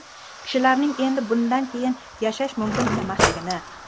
kishilarning endi bunday yashash mumkin emasligini